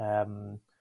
Yym.